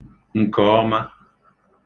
ǹkọ̀ọma